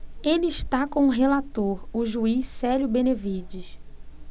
ele está com o relator o juiz célio benevides